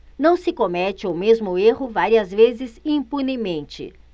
não se comete o mesmo erro várias vezes impunemente